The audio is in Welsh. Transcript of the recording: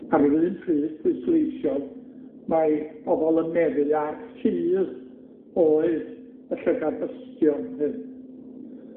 Ar yr un pryd, pwysleisiodd mae pobol yn meddu ar ffydd oedd y llygad dystion hyn,